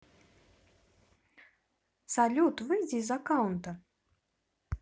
салют выйти из аккаута